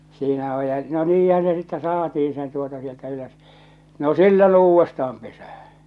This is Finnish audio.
siinä on ja no niinhän se sitten saatiin sen tuota sieltä ylös no silloin ne uudestaan pesään